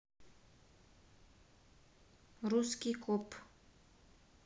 русский коп